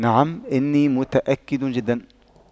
نعم إني متأكد جدا